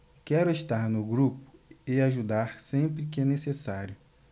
quero estar no grupo e ajudar sempre que necessário